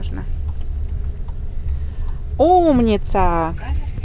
умница